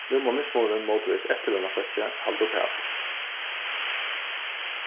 nú má mismunurin mótvegis eftirlønarfólki halda uppat